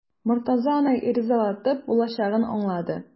Мортаза аны ризалатып булачагын аңлады.